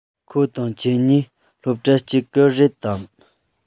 ཁོ དང ཁྱོད གཉིས སློབ གྲྭ གཅིག གི རེད དམ